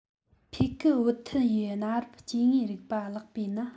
ཕེ ཁེ ཝི ཐི ཡི གནའ རབས སྐྱེ དངོས རིག པ བཀླགས པས ན